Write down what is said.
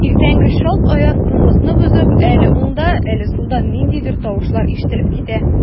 Иртәнге чалт аяз тынлыкны бозып, әле уңда, әле сулда ниндидер тавышлар ишетелеп китә.